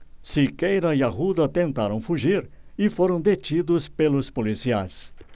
siqueira e arruda tentaram fugir e foram detidos pelos policiais